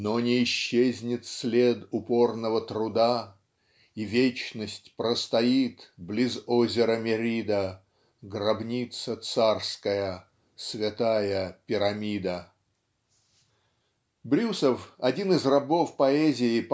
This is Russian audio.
-- Но не исчезнет след упорного труда И вечность простоит близ озера Мерида Гробница царская святая пирамида. Брюсов один из рабов поэзии